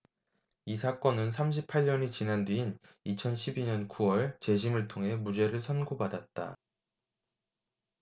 이 사건은 삼십 팔 년이 지난 뒤인 이천 십 이 년 구 월 재심을 통해 무죄를 선고받았다